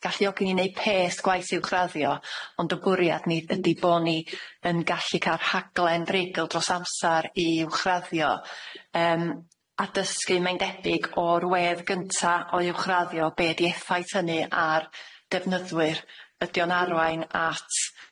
galluogi ni neu' pês gwaith uwchraddio ond y bwriad ni ydi bo ni yn gallu ca'l rhaglen dreigl dros amsar i uwchraddio yym a dysgu mae'n debyg o'r wedd gynta o uwchraddio be' ydi effaith hynny ar defnyddwyr ydi o'n arwain at